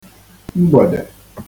mgbèdè